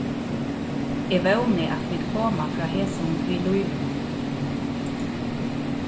eg vóni at vit koma frá hesum við lívinum